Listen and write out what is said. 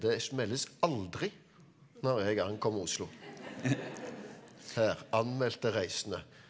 det meldes aldri når jeg ankommer Oslo her anmeldte reisende.